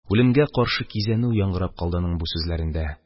Үлемгә каршы кизәнү яңгырап калды аның бу сүзләрендә.